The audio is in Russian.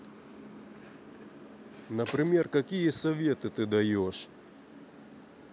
например какие советы ты даешь